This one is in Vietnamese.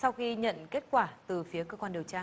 sau khi nhận kết quả từ phía cơ quan điều tra